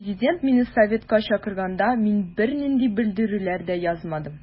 Президент мине советка чакырганда мин бернинди белдерүләр дә язмадым.